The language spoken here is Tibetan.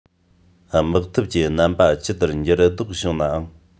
དམག འཐབ ཀྱི རྣམ པ ཇི ལྟར འགྱུར ལྡོག བྱུང ནའང